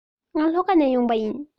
ང ལྷོ ཁ ནས ཡོང པ ཡིན